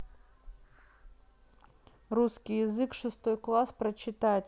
русский язык шестой класс прочитать